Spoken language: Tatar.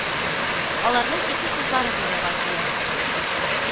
Аларның ике кызлары дөньяга килә